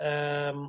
yym